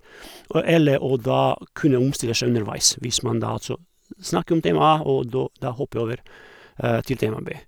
og Eller å da kunne omstille seg underveis hvis man da altså snakke om tema A og då da hoppe over til tema B.